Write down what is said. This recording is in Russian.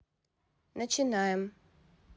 начинаем